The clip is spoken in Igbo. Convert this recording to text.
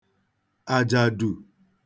àjàdù